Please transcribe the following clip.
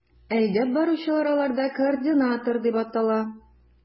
Әйдәп баручылар аларда координатор дип атала.